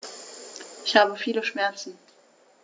Ich habe viele Schmerzen.